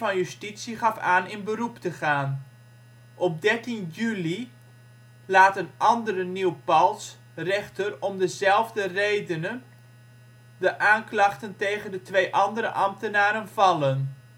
justitie gaf aan in beroep te gaan. Op 13 juli laat een andere New Paltz rechter om dezelfde redenen de aanklachten tegen de twee andere ambtenaren vallen